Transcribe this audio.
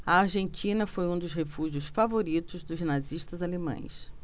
a argentina foi um dos refúgios favoritos dos nazistas alemães